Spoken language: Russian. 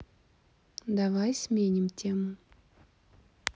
давай сменим тему